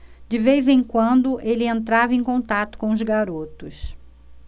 de vez em quando ele entrava em contato com os garotos